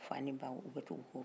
fa ni ba u bɛ tug'u ko